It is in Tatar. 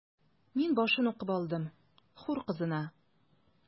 Мин башын укып алдым: “Хур кызына”.